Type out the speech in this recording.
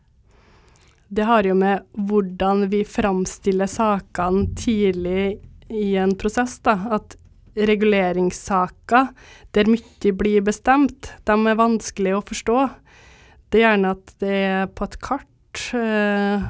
det har jo med hvordan vi framstiller sakene tidlig i en prosess da at reguleringssaker der mye blir bestemt dem er vanskelige å forstå det er gjerne at det er på et kart .